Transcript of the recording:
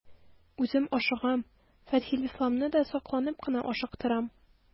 Үзем ашыгам, Фәтхелисламны да сакланып кына ашыктырам.